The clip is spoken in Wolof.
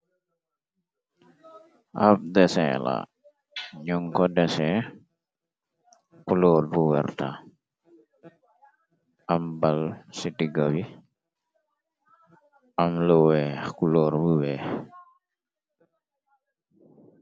Ab desin la, ñën ko dese ku lóor bu werta am bal citiga bi. Am lu weex kulóor bu weex.